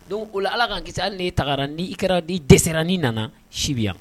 Don o ala ka gese de tagara ni i kɛra di dɛsɛseranin nana sibi yan